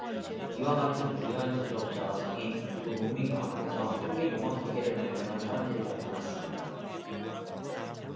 이와 같은 부유한 제조업자와 상인 그리고 농민 가운데서 초기 농업 기계를 발명한 사람들이 나타났습니다